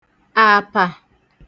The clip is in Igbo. àpà